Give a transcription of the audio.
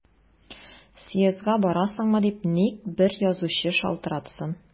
Съездга барасыңмы дип ник бер язучы шалтыратсын!